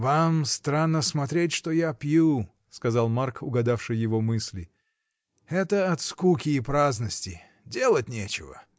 — Вам странно смотреть, что я пью, — сказал Марк, угадавший его мысли, — это от скуки и праздности. делать нечего!